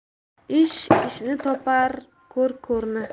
ish ishni topar ko'r ko'rni